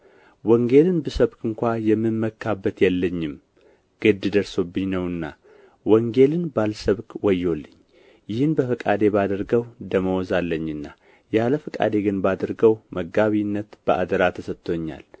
ወንጌልን ብሰብክ እንኳ የምመካበት የለኝም ግድ ደርሶብኝ ነውና ወንጌልንም ባልሰብክ ወዮልኝ ይህን በፈቃዴ ባደርገው ደመወዝ አለኝና ያለ ፈቃዴ ግን ባደርገው መጋቢነት በአደራ ተሰጥቶኛል